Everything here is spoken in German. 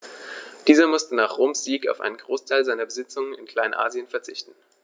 Dieser musste nach Roms Sieg auf einen Großteil seiner Besitzungen in Kleinasien verzichten.